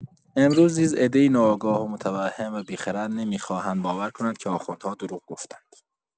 امروز نیز عده‌ای ناآگاه ومتوهم و بی‌خرد نمی‌خواهند باور کنند که آخوندها دروغ گفتند.